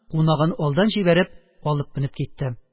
Кунагын алдан җибәреп алып менеп китте.